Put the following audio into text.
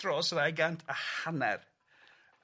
Dros ddau gant a hanner.